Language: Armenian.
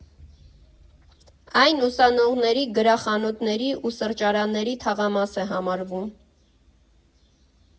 Այն ուսանողների, գրախանութների ու սրճարանների թաղամաս է համարվում։